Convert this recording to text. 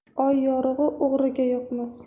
oy yorug'i o'g'riga yoqmas